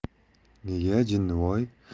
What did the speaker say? nega jinnivoy